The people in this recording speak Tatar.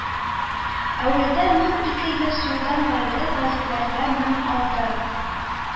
Әүвәлдә мең ике йөз юлдан гыйбарәт гәзитәләрдә мең алты